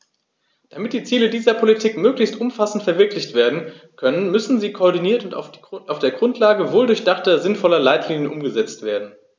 Damit die Ziele dieser Politiken möglichst umfassend verwirklicht werden können, müssen sie koordiniert und auf der Grundlage wohldurchdachter, sinnvoller Leitlinien umgesetzt werden.